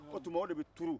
o tuma o de bɛ turu